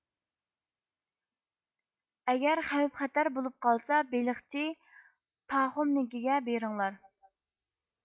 ئەگەر خەۋپ خەتەر بولۇپ قالسا بېلىقچى پاخومنىڭكىگە بېرىڭلار